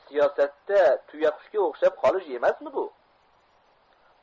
siyosatda tuyaqushga o'xshab qolish emasmi bu